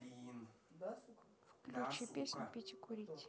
включи песню пить и курить